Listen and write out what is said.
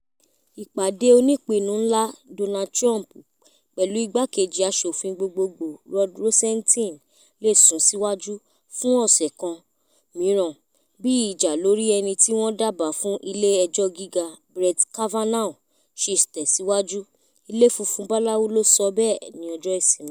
Ìpàdé onípinnu-ńlá Donald Trump pẹ̀lú ìgbákejì àṣòfin gbogbogbò Rod Rosenstein le “sún síwájú fún ọ̀ṣẹ̀ kan mìíràn” bí ìjà lórí ẹnítí wọn dábàá fún ilé ẹjọ́ gíga Brett kavanaugh ṣe tẹ́ ṣíwájú, Ilé Funfun Báláú ló sọ bẹ́ẹ̀ ní Ọjọ́ ìsinmi.